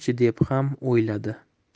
chi deb xam o'yladi